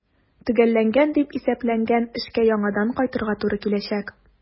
Төгәлләнгән дип исәпләнгән эшкә яңадан кайтырга туры киләчәк.